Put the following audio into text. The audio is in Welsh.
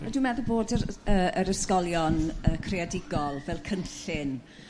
A dwi meddwl bod yr yrr yr ysgolion yrr creadigol fel cynllun